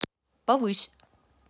повысь